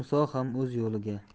muso ham o'z yo'liga